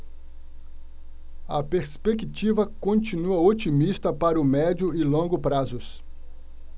a perspectiva continua otimista para o médio e longo prazos